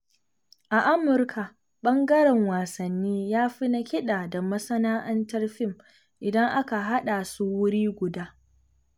A Amurka, ɓangaren wasanni ya fi na kiɗa da masana'antar fim idan aka haɗa su wuri guda.